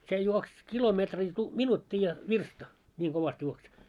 se juoksi kilometri - minuutti ja virsta niin kovasti juoksi